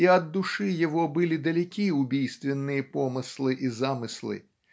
и от души его были далеки убийственные помыслы и замыслы.